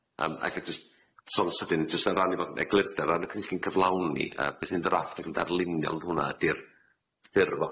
Yym a ella jyst sôn yn sydyn, jyst o ran efo eglurder, o ran cynllun cyflawni yy be' sy'n ddrafft ag yn darlunio yn hwn'na ydi'r ffyrdd o-